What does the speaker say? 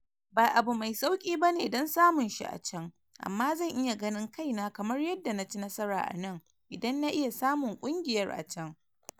"Ba abu mai sauki ba ne don samun shi a can, amma zan iya ganin kai na kamar yadda na ci nasara a nan idan na iya samun kungiyar a can."